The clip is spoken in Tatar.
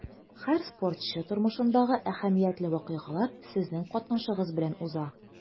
Һәр спортчы тормышындагы әһәмиятле вакыйгалар сезнең катнашыгыз белән уза.